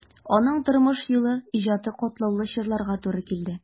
Аның тормыш юлы, иҗаты катлаулы чорларга туры килде.